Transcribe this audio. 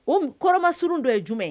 O kɔrɔmasurun de ye jumɛn ye